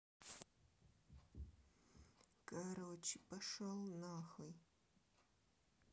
короче пошел нахуй